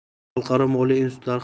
xalqaro moliya institutlari